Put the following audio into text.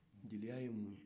jeliya ye mun ye